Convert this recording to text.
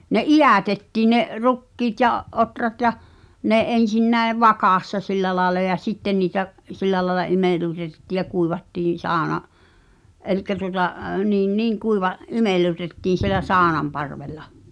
ne idätettiin ne rukiit ja ohrat ja ne ensin näin vakassa sillä lailla ja sitten niitä sillä lailla imellytettiin ja kuivattiin sauna eli tuota niin niin - imellytettiin siellä saunanparvella